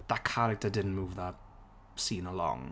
That character didn't move that scene along.